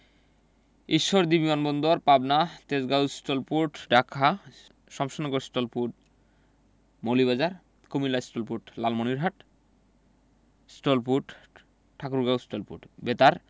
ঈশ্বরদী বিমান বন্দর Pabna Tejgaon STOL port Dhaka Shamshernagar STOL port Moulvibazar Comilla STOL port Lalmonirhat STOL port Thakurgaon STOL port বেতার